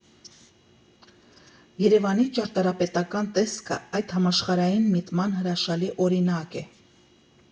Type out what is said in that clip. Երևանի ճարտարապետական տեսքը այդ համաշխարհային միտման հրաշալի օրինակ է։